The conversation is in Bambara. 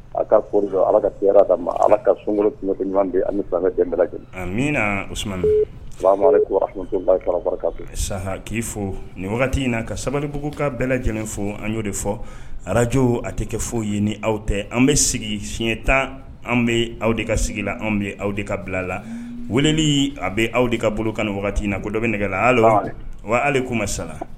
A ka ala ka ka ala ka sun min o sa k' fo nin wagati in na ka sabalibugu ka bɛɛ lajɛlen fo an y'o de fɔ arajo a tɛ kɛ foyi ye ni aw tɛ an bɛ sigi siɲɛ tan an bɛ aw de ka sigi la an bɛ aw de ka bila la weleli a bɛ aw de ka bolo kan wagati in na ko dɔ bɛ nɛgɛla' la wa ale komi ma sala